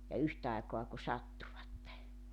ja yhtä aikaa kun sattuivat